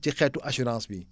ci xeetu assurance bi